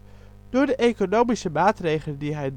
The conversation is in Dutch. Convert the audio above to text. de economische maatregelen die hij nam